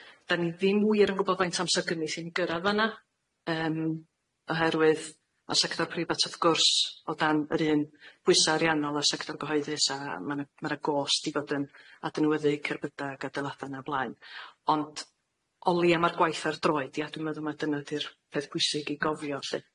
Da ni ddim wir yn gwbod faint amser gymeth i ni gyrradd fan 'na yym oherwydd ma' sector preifat wrth gwrs o dan yr un pwysa ariannol a sector gyhoeddus a ma' 'na ma' 'na gost i fod yn adnewyddu cerbydau ag adeilada' 'na o blaen ond o leia ma'r gwaith ar droed ia, dwi'n meddwl ma' dyna 'di'r peth pwysig i gofio lly.